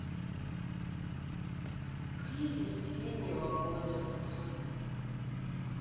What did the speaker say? кризис среднего возраста